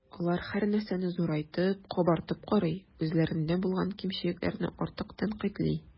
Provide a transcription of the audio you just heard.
Алар һәрнәрсәне зурайтып, “кабартып” карый, үзләрендә булган кимчелекләрне артык тәнкыйтьли.